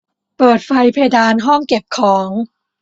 เปิดไฟเพดานห้องเก็บของ